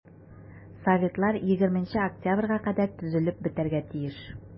Советлар 20 октябрьгә кадәр төзелеп бетәргә тиеш.